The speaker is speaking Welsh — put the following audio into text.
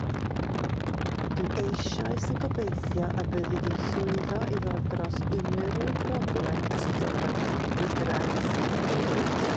Dwi eisoes yn gobeithio y byddi di'n llwyddo i ddod dros unryw broblem ti'n dod ar ei draws yn dy fywyd.